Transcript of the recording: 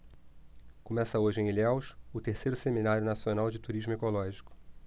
começa hoje em ilhéus o terceiro seminário nacional de turismo ecológico